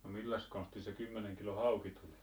no milläs konstilla se kymmenen kilon hauki tuli